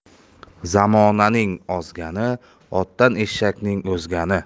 zamonaning ozgani otdan eshakning o'zgani